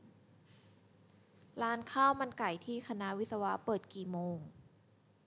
ร้านข้าวมันไก่ที่คณะวิศวะเปิดกี่โมง